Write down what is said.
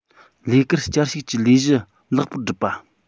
ལས ཀར བསྐྱར ཞུགས ཀྱི ལས གཞི ལེགས པོར བསྒྲུབས པ